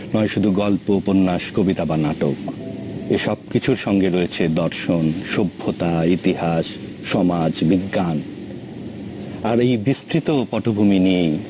নয় শুধু গল্প উপন্যাস কবিতা বা নাটক এসব কিছুর সঙ্গে রয়েছে দর্শন সভ্যতা ইতিহাস সমাজ বিজ্ঞান আর এই বিস্তৃত পটভূমি নিয়েই